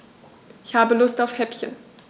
Ich habe Lust auf Häppchen.